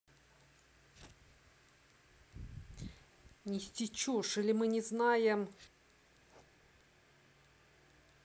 нести чушь или мы не знаем